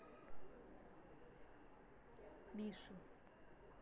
мишу